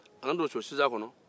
a nana don sosizan kɔnɔ